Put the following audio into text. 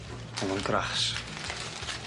O'dd o'n grass.